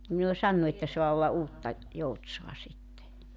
niin ne on sanonut että saa olla Uutta Joutsaa sitten